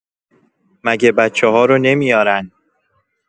مگه بچه‌ها رو نمیارن؟